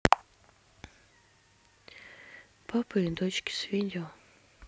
папы и дочки с видео